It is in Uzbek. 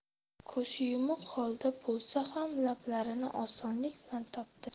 ko'zi yumuq holda bo'lsa ham lablarini osonlik bilan topdi